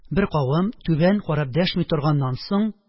Беркавым түбән карап дәшми торганнан соң,